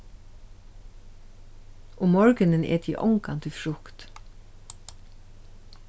um morgunin eti eg ongantíð frukt